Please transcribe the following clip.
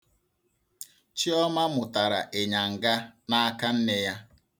Chiọma mụtara ịnyanga n'aka nne ya.